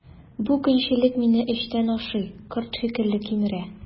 Бу көнчелек мине эчтән ашый, корт шикелле кимерә.